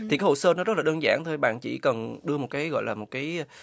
thì cái hồ sơ nó rất là đơn giản thôi bạn chỉ cần đưa một cái gọi là một cái